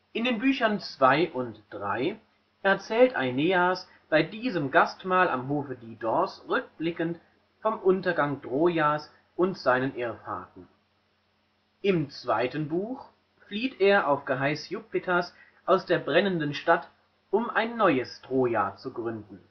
In den Büchern 2 und 3 erzählt Aeneas bei diesem Gastmahl am Hofe Didos rückblickend vom Untergang Trojas und seinen Irrfahrten. Im 2. Buch flieht er auf Geheiß Jupiters aus der brennenden Stadt, um ein neues Troja zu gründen